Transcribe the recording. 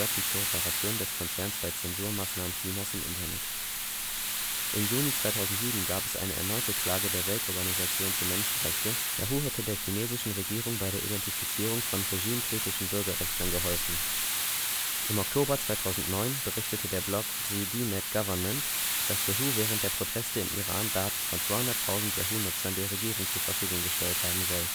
die Kooperation des Konzerns bei Zensurmaßnahmen Chinas im Internet. Im Juni 2007 gab es eine erneute Klage der Weltorganisation für Menschenrechte, Yahoo hätte der chinesischen Regierung bei der Identifizierung von regimekritischen Bürgerrechtlern geholfen. Im Oktober 2009 berichtet der Blog ZDNet Government, dass Yahoo während der Proteste im Iran Daten von 200.000 Yahoo-Nutzern der Regierung zur Verfügung gestellt haben soll